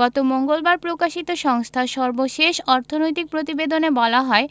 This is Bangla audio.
গত মঙ্গলবার প্রকাশিত সংস্থার সর্বশেষ অর্থনৈতিক প্রতিবেদনে বলা হয়